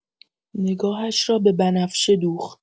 نگاهش را به بنفشه دوخت.